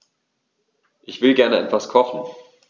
Ich will gerne etwas kochen.